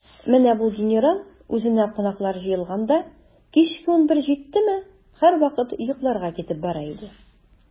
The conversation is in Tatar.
Менә бу генерал, үзенә кунаклар җыелганда, кичке унбер җиттеме, һәрвакыт йокларга китеп бара иде.